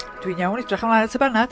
Dwi'n iawn, edrach ymlaen at y banad.